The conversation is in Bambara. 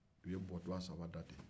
u ye buwɔ twa saba da ten